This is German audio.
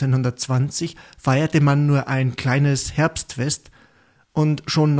1920 feierte man nur ein kleines „ Herbstfest “und schon